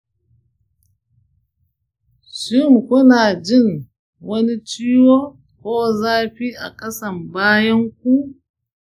shin kuna jin wani ciwo ko zafi a kasan bayanku?